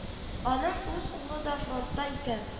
Аның үз улы да фронтта икән